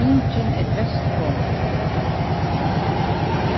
fingin er fest kona